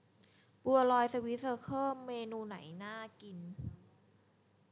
บัวลอยสวีทเซอเคิลเมนูไหนน่ากิน